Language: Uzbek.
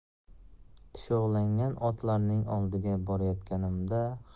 tushovlangan otlarning oldiga borayotganimda ham